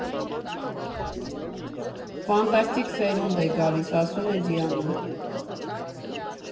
Ֆանտաստիկ սերունդ է գալիս, ֊ ասում է Դիանան։